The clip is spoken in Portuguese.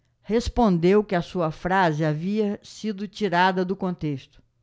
respondeu que a sua frase havia sido tirada do contexto